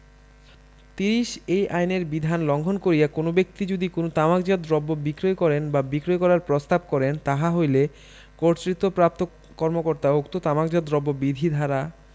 ৩০ এই আইনের বিধান লংঘন করিয়া কোন ব্যক্তি যদি কোন তামাকজাত দ্রব্য বিক্রয় করেন বা বিক্রয় করার প্রস্তাব করেন তাহা হইলে কর্তৃত্বপ্রাপ্ত কর্মকর্তা উক্ত তামাকজাত দ্রব্য বিধি দ্বারা